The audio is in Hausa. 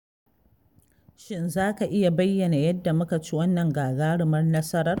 Shin za ka iya bayyana yadda muka ci wannann gagarumar nasarar?